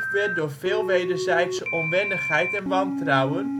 werd door veel wederzijdse onwennigheid en wantrouwen